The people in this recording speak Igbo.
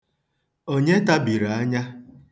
Onye tabiri anya?